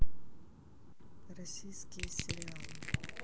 российские сериалы